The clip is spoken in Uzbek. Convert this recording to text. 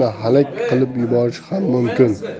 odamni halak qilib yuborishi ham mumkin